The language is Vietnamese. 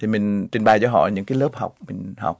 thì mình trình bày cho họ những lớp học mình học